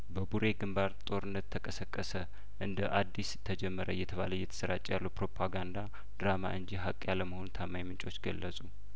በቡሬ ግንባር ጦርነት ተቀሰቀሰ እንደአዲስ ተጀመረ እየተባለ እየተሰራጨ ያለው ፕሮፓጋንዳ ድራማ እንጂ ሀቅ ያለመሆኑን ታማኝ ምንጮች ገለጹ